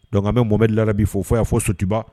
Dɔn bɛ momɛbilili la bi fɔ y'a fɔ sutuba